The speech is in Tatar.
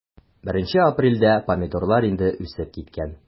1 апрельдә помидорлар инде үсеп киткән.